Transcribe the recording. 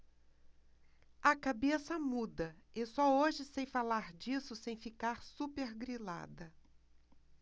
a cabeça muda e só hoje sei falar disso sem ficar supergrilada